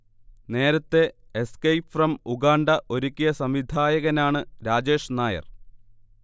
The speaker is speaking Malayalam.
നേരത്തെ 'എസ്കേപ്പ് ഫ്രം ഉഗാണ്ട' ഒരുക്കിയ സംവിധായകനാണ് രാജേഷ്നായർ